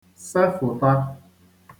sefụ̀ta